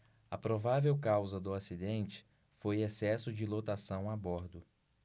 a provável causa do acidente foi excesso de lotação a bordo